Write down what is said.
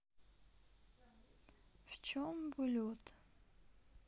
в чем блюд